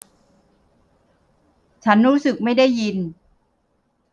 ฉันรู้สึกไม่ได้ยิน